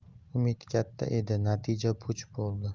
umid katta edi natija puch bo'ldi